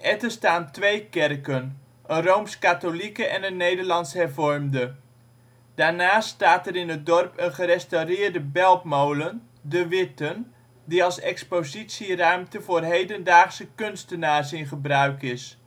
Etten staan twee kerken, een rooms-katholieke en een Nederlands-hervormde. Daarnaast staat er in het dorp een gerestaureerde beltmolen, De Witten, die als expositieruimte voor hedendaagse kunstenaars in gebruik is